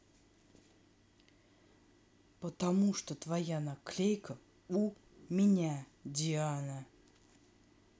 потому что твоя наклейка у меня диана